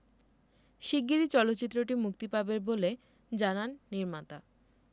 শিগগিরই চলচ্চিত্রটি মুক্তি পাবে বলে জানান নির্মাতা